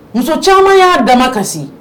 Muso caman y'a dama kasi